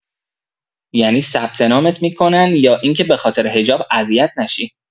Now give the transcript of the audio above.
ینی ثبت نامت می‌کنن یا اینکه بخاطر حجاب اذیت نشی؟